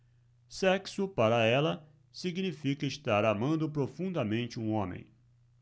sexo para ela significa estar amando profundamente um homem